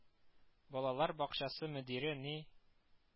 Балалар бакчасы мөдире ни